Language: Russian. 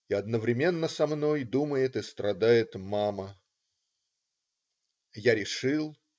И одновременно со мной думает и страдает мама. Я решил.